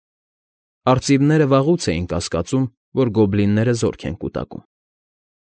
Արծիվները վաղուց էին կասկածում, որ գոբլինները զորք են կուտակում։